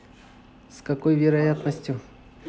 с какой вероятностью